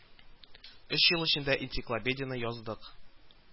Өч ел эчендә энциклопедияне яздык